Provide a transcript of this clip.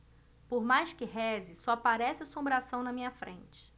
por mais que reze só aparece assombração na minha frente